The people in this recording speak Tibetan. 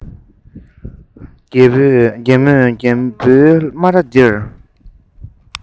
རྒན མོས རྒད པོའི སྨ ར དེར